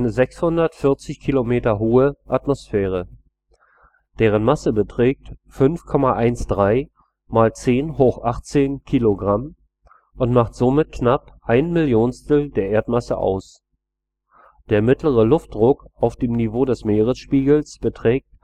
640 km hohe Atmosphäre. Deren Masse beträgt 5,13 x 1018 kg und macht somit knapp ein Millionstel der Erdmasse aus. Der mittlere Luftdruck auf dem Niveau des Meeresspiegels beträgt